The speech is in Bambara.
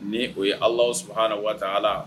Ni o ye Alahu subuhaanahu wataala